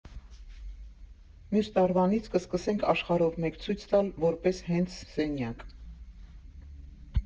Մյուս տարվանից կսկսենք աշխարհով մեկ ցույց տալ՝ որպես հենց սենյակ։